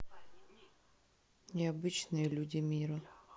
необычные люди мира